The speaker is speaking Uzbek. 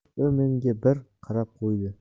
u menga bir qarab qo'ydi